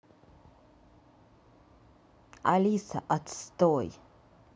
алиса отстой